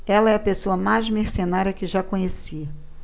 ela é a pessoa mais mercenária que já conheci